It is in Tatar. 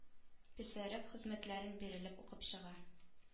Писарев хезмәтләрен бирелеп укып чыга